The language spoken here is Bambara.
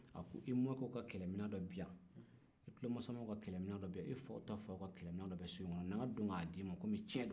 a ko i mɔkɛw ka kɛlɛminɛn dɔ bɛ yan i tulomasamaw ka kɛlɛkɛminɛn dɔ bɛ yan i faw ta faw ka kɛlɛminɛn dɔ bɛ so in kɔnɔ na n ka dɔn k'a di ma kɔmi tiɲɛ don